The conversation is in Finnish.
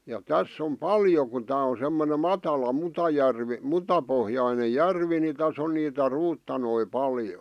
ja tässä on paljon kun tämä on semmoinen matala mutajärvi mutapohjainen järvi niin tässä on niitä ruutanoita paljon